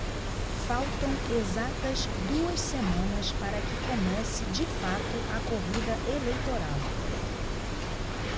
faltam exatas duas semanas para que comece de fato a corrida eleitoral